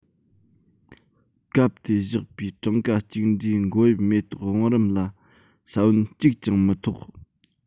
བཀབ ཏེ བཞག པའི གྲངས ཀ གཅིག འདྲའི མགོ དབྱིབས མེ ཏོག བང རིམ ལ ས བོན གཅིག ཀྱང མི ཐོགས